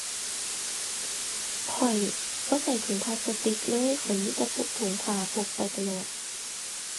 ข้อยบ่ใช้ถุงพลาสติกเลย ข้อยมีแต่พกถุงผ้า พกไปตลอด